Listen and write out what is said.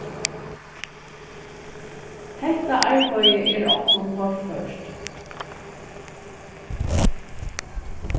hetta arbeiðið er okkum torført